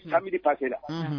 Anmi pase la